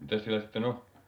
mitäs siellä sitten on